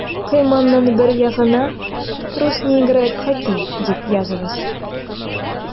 Койманың бер ягына «Трус не играет в хоккей» дип языгыз.